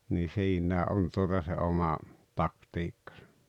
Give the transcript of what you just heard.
niin siinä on tuota se oma taktiikkansa